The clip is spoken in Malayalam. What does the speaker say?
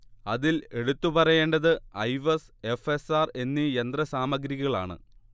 അതിൽ എടുത്തു പറയേണ്ടത് ഐവസ്, എഫ്. എസ്. ആർ എന്നീ യന്ത്ര സാമഗ്രികളാണ്